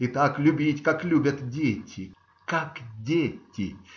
И так любить, как любят дети. Как дети.